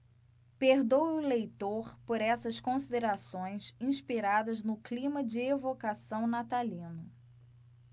perdoe o leitor por essas considerações inspiradas no clima de evocação natalino